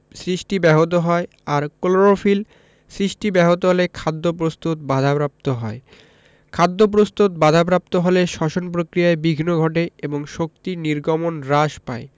সৃষ্টি ব্যাহত হয় আর ক্লোরোফিল সৃষ্টি ব্যাহত হলে খাদ্য প্রস্তুত বাধাপ্রাপ্ত হয় খাদ্যপ্রস্তুত বাধাপ্রাপ্ত হলে শ্বসন প্রক্রিয়ায় বিঘ্ন ঘটে এবং শক্তি নির্গমন হ্রাস পায়